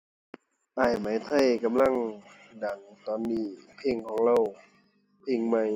อ้ายไหมไทย กำลังดังตอนนี้ เพลงของเลา เพลงใหม่